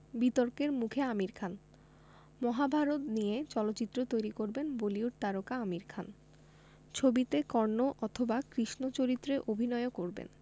বিতর্কের মুখে আমির খান মহাভারত নিয়ে চলচ্চিত্র তৈরি করবেন বলিউড তারকা আমির খান ছবিতে কর্ণ অথবা কৃষ্ণ চরিত্রে অভিনয়ও করবেন